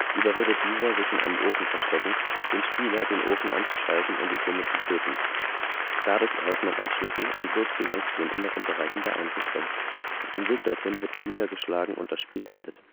überredet dieser, sich in einem Ofen versteckend, den Spieler, den Ofen anzuschalten und ihn somit zu töten. Dadurch erhält man einen Schlüssel und so Zugang zu den inneren Bereichen der Einrichtung. Auf dem Weg dorthin wird man niedergeschlagen und das Spiel endet